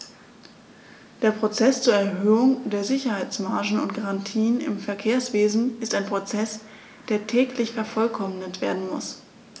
Der Prozess zur Erhöhung der Sicherheitsmargen und -garantien im Verkehrswesen ist ein Prozess, der täglich vervollkommnet werden muss.